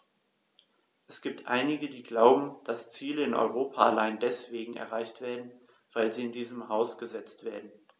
Es gibt einige, die glauben, dass Ziele in Europa allein deswegen erreicht werden, weil sie in diesem Haus gesetzt werden.